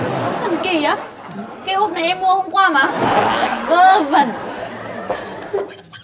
thần kỳ á cái hộp này em mua hôm qua mà vớ vẩn